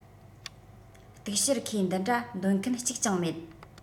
གཏུག བཤེར ཁས འདི འདྲ འདོད མཁན གཅིག ཀྱང མེད